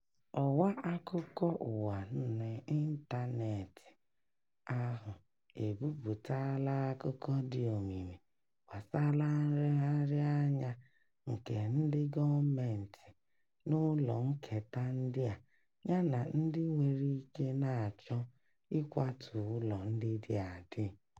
Ọwa akụkọ ụwa n'ịntaneetị ahụ ebupụtaala akụkọ dị omimi gbasara nleghara anya nke ndị gọọmentị n'ụlọ nketa ndị a yana ndị nwere ike na-achọ ịkwatu ụlọ ndị dị adị: